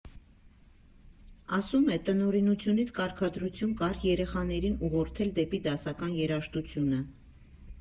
Ասում է՝ տնօրինությունից կարգադրություն կար երեխաներին ուղղորդել դեպի դասական երաժշտությունը։